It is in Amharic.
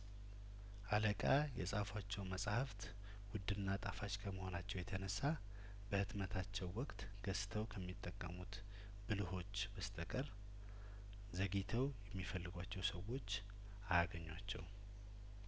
አለቃ የጻፏቸው መጽሀፍት ውድና ጣፋጭ ከመሆ ናቸው የተነሳ በህትመታቸው ወቅት ገዝተው ከሚጠቀሙት ብልህዎች በስተቀር ዘግይተው የሚፈልጓቸው ሰዎች አያገኟቸውም